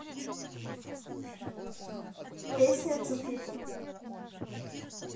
песня jupiter